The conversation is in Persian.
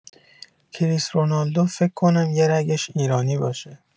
کریس رونالدو فک کنم یه رگش ایرانی باشه.